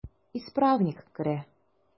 Исправник керә.